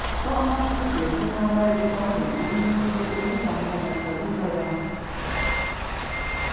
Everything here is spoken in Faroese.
og annars skuldi eg hugna mær við gomlum vinum her í mínum gamla lestrarumhvørvi